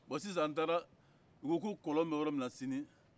bon sisan an taara u ko ko kɔlɔn bɛ yɔrɔ minna sinin